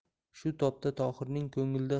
shu topda tohirning ko'nglida